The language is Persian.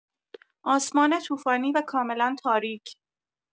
آسمان طوفانی و کاملا تاریک